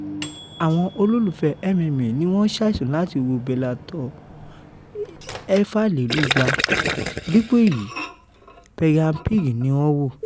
Àwọn olólùfẹ́ MMA ní wọ́n sàìsùn láti wo Bellator 206, dípò èyí Peppa Pig ní wọ́n wò